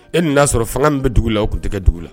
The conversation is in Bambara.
E nin y'a sɔrɔ fanga min bɛ dugu la tun tɛgɛ dugu la